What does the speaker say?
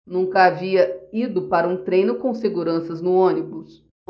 nunca havia ido para um treino com seguranças no ônibus